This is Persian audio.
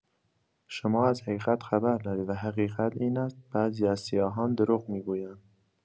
شما از حقیقت خبر دارید و حقیقت این است: بعضی از سیاهان دروغ می‌گویند.